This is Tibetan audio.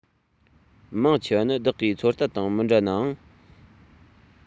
མང ཆེ བ ནི བདག གིས ཚོད ལྟ དང མི འདྲ ནའང